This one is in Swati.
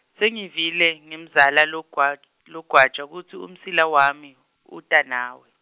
Sengivile ngemzala logwaj- logwaja kutsi umsila wami, uta nawe.